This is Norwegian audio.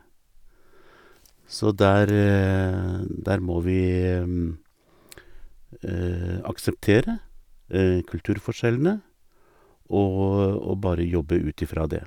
Så der der må vi akseptere kulturforskjellene, og og bare jobbe ut ifra det.